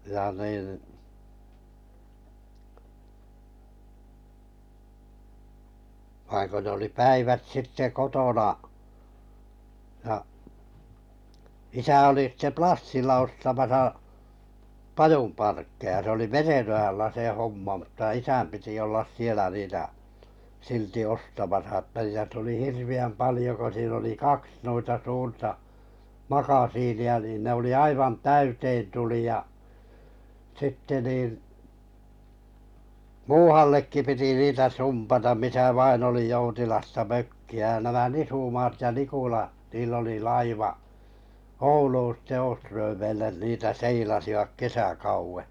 ja niin vaan kun ne oli päivät sitten kotona ja isä oli sitten Plassilla ostamassa pajun parkkeja se oli Merenojalla se mutta isän piti olla siellä niitä silti ostamassa että ja tuli hirveän paljon kun siinä oli kaksi noita suurta makasiinia niin ne oli aivan täyteen tuli ja sitten niin muuallekin piti niitä sumpata missä vain oli joutilasta mökkiä ja nämä Nisumaat ja Nikula niin oli laiva Ouluun sitten Åströmeille niitä seilasivat kesäkauden